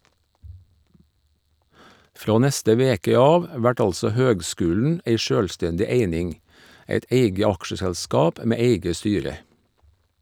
Frå neste veke av vert altså høgskulen ei sjølvstendig eining, eit eige aksjeselskap med eige styre.